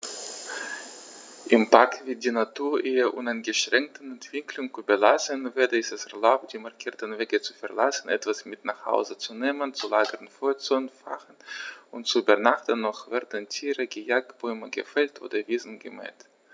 Im Park wird die Natur ihrer uneingeschränkten Entwicklung überlassen; weder ist es erlaubt, die markierten Wege zu verlassen, etwas mit nach Hause zu nehmen, zu lagern, Feuer zu entfachen und zu übernachten, noch werden Tiere gejagt, Bäume gefällt oder Wiesen gemäht.